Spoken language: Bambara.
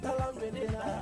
Taa deli